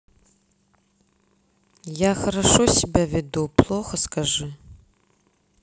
я хорошо себя веду плохо скажи